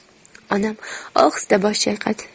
onam ohista bosh chayqadi